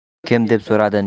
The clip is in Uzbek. kim deb so'radi